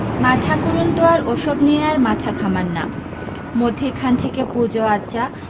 মা ঠাকরুন তো ওসব নিয়ে আর মাথা ঘামান না মধ্যিখান থেকে পূজো আচ্চা